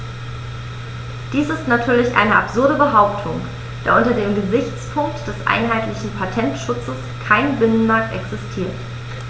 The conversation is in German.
Dies ist natürlich eine absurde Behauptung, da unter dem Gesichtspunkt des einheitlichen Patentschutzes kein Binnenmarkt existiert.